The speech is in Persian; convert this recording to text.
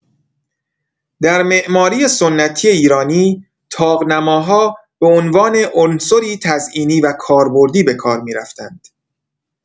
در معماری سنتی ایرانی، طاق‌نماها به عنوان عنصری تزئینی و کاربردی به‌کار می‌رفتند.